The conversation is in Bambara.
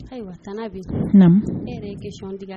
Ayiwa tane Habi. Naamu. E yɛrɛ ye question di ka